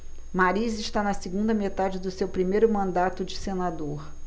mariz está na segunda metade do seu primeiro mandato de senador